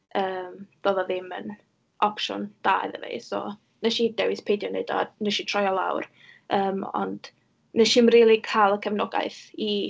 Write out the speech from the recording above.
Yym doedd o ddim yn opsiwn da iddo fi, so wnes i dewis peidio wneud o, a wnes i troi o lawr. Yym, ond wnes i'm rili cael y cefnogaeth i...